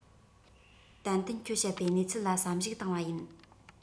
ཏན ཏན ཁྱོད བཤད པའི གནས ཚུལ ལ བསམ གཞིགས བཏང བ ཡིན